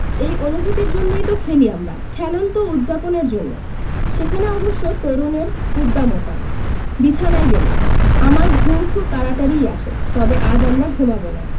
এই অনুভূতির জন্যই তো খেলি আমরা খেলেন তো উদ্ যাপনের জন্যও সেখানে অবশ্য তরুণের উদ্দামতা বিছানায় গেলে আমার ঘুম খুব তাড়াতাড়িই আসে তবে আজ আমরা ঘুমাব না